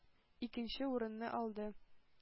Икенче урынны алды.